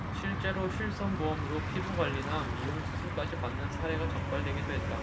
실제로 실손보험으로 피부관리나 미용 수술까지 받는 사례가 적발되기도 했다